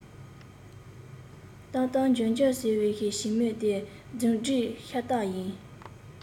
བཏང བཏང འཇོན འཇོན ཟེར བ བྱིངས མི བདེན རྫུན སྒྲིག ཤ སྟག ཡིན